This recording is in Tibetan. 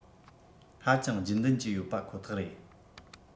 ཧ ཅང རྒྱུན ལྡན གྱི ཡོད པ ཁོ ཐག རེད